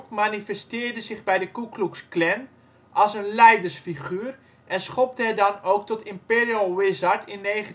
manifesteerde zich bij de Ku Klux Klan als een leidersfiguur en schopte het dan ook tot Imperial Wizard in 1974